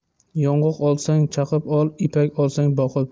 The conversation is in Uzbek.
yong'oq olsang chaqib ol ipak olsang boqib